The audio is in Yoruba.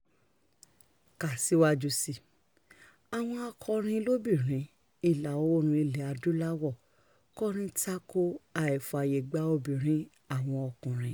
Kà síwájú sí i: Àwọn akọrin lóbìnrin Ìlà-Oòrùn Ilẹ̀ Adúláwọ̀ kọrin tako àìfààyè gba obìnrin àwọn ọkùnrin.